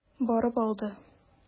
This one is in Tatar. Барып алды.